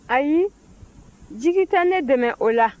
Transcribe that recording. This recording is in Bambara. ayi jigi tɛ ne dɛmɛ o la